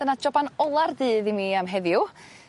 dyna joban ola'r dydd i mi am heddiw.